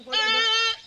Hɛrɛ